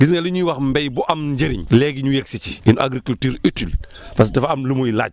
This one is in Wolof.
gis nga li ñuy wax mbéy bu am njëriñ léegi ñu yegg si ci une agriculture utile parce que dafa am lu muy laaj